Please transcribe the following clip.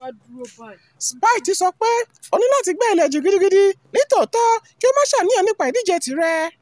Spieth sọpe ''O níláti gbẹ́ ilẹ̀ jìn gidigidi nítòótọ́ kí ò maá ṣàníyàn nípa ìdíje tìrẹ̀''.